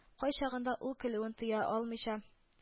Кайчагында ул көлүен тыя алмыйча